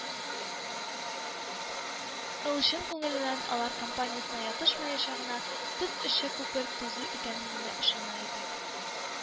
Ул чын күңеленнән алар компаниясенә ятышмаячагына, төп эше күпер төзү икәнлегенә ышана иде